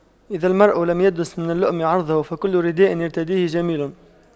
إذا المرء لم يدنس من اللؤم عرضه فكل رداء يرتديه جميل